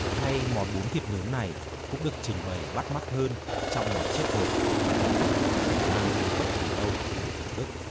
hay món bún thịt nướng này cũng được trình bày bắt mắt hơn trong một chiếc hộp mà thực khách có thể mang đi bất kỳ đâu để thưởng thức